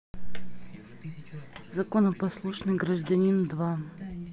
законопослушный гражданин два